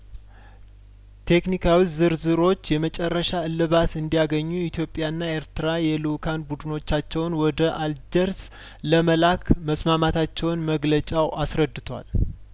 ቴክኒካዊ ዝርዝ ሮች የመጨረሻ እልባት እንዲ ያገኙ ኢትዮጵያና ኤርትራ የልኡካን ቡድኖቻቸውን ወደ አልጀርስ ለመላክ መስማማታቸውን መግለጫው አስረድቷል